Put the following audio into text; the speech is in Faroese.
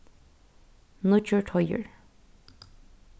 nýggjur teigur